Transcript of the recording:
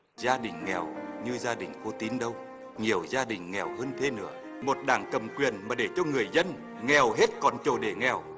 gia đình nghèo như gia đình cô tín đâu nhiều gia đình nghèo hơn thế nữa một đảng cầm quyền mà để cho người dân nghèo hết còn chỗ để nghèo